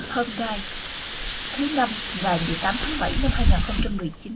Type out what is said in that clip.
hôm nay thứ năm ngày